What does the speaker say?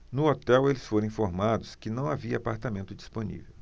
no hotel eles foram informados que não havia apartamento disponível